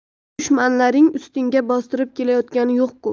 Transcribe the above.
dushmanlaring ustingga bostirib kelayotgani yo'q ku